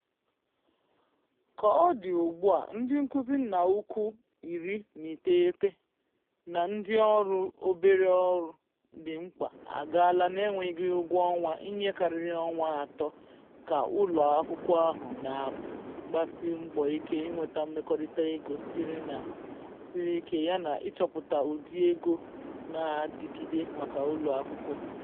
Ka ọ dị ugbu a, ndị nkuzi nna ukwu 19 na ndị ọrụ obere ọrụ dị mkpa agaala n'enweghị ụgwọ ọnwa ihe karịrị ọnwa atọ ka ụlọ akwụkwọ ahụ na-agbasi mbọ ike inweta mmekorita ego siri ike yana ịchọpụta ụdị ego na-adigide maka ụlọakwụkwọ.